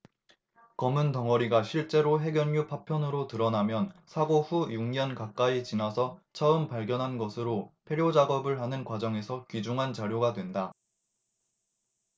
검은 덩어리가 실제로 핵연료 파편으로 드러나면 사고 후 육 년 가까이 지나서 처음 발견한 것으로 폐로작업을 하는 과정에서 귀중한 자료가 된다